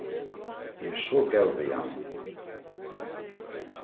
eg eri so góð við hann